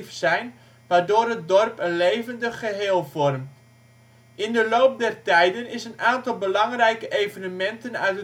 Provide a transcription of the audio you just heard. zijn, waardoor het dorp een levendig geheel vormt. In de loop der tijden is een aantal belangrijke evenementen uit